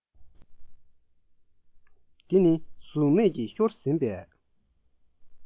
དེ ནི གཟུགས མེད ཀྱིས ཤོར ཟིན པའི